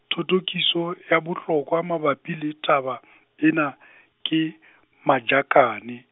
thothokiso, ya bohlokwa mabapi le taba, ena, ke, Majakane.